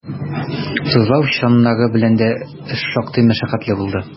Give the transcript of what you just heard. Тозлау чаннары белән дә эш шактый мәшәкатьле булды.